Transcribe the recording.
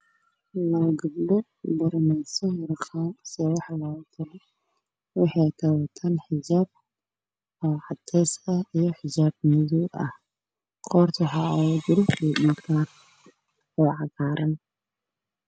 Waa labo gabdhood oo baraneso harqaanka